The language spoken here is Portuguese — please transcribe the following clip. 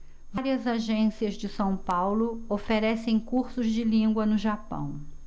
várias agências de são paulo oferecem cursos de língua no japão